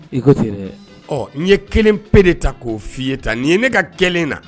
I ko n ye kelen pe de ta k'o f'i ye ta ni'i ye ne ka kɛ na